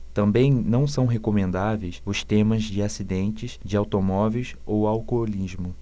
também não são recomendáveis os temas de acidentes de automóveis ou alcoolismo